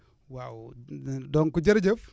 waaw donc jërëjëf